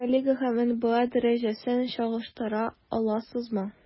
Евролига һәм НБА дәрәҗәсен чагыштыра аласызмы?